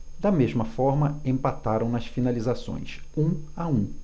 da mesma forma empataram nas finalizações um a um